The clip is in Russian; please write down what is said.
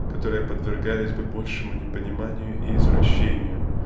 которые подвергались бы большему непониманию и извращению